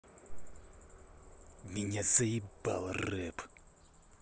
меня заебал рэп